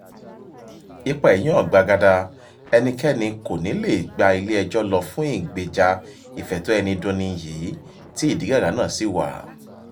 Ipa èyí hàn gbàgàdà — ẹnikẹ́ni kò ní leè gba ilé ẹjọ́ lọ fún ìgbèjà ìfẹ̀tọ́ ẹni dunni yìí tí ìdígàgá náà ṣì wà.